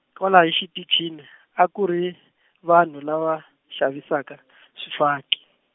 kwalaha xiticini a ku ri vanhu lava xavisaka swifaki.